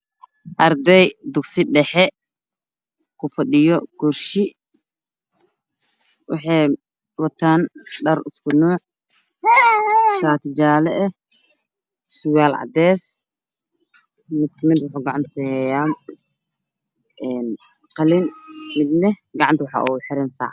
Arday dugsi dhexe ku fadhiyo kursi waxey wataan saacad iyo kabo madow ah